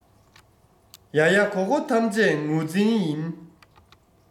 ཡ ཡ གོ གོ ཐམས ཅད ངོ འཛིན ཡིན